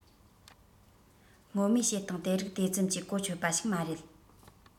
སྔོན མའི བྱེད སྟངས དེ རིགས དེ ཙམ གྱིས གོ ཆོད པ ཞིག མ རེད